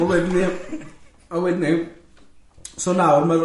A wedyn ni, a wedyn iw- so nawr ma'r-.